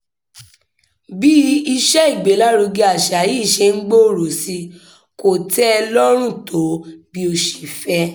Bí iṣẹ́ ìgbélárugẹ àṣà yìí ṣe ń gbòòrò sí i, kò tẹ́ ẹ lọ́rùn tó bí ó ṣe fẹ́.